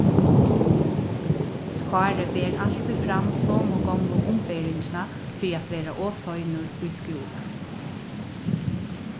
kári ber altíð fram somu gomlu umberingina fyri at vera ov seinur í skúla